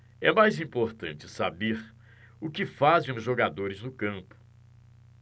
é mais importante saber o que fazem os jogadores no campo